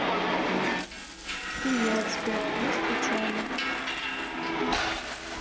привет сбер мы скучали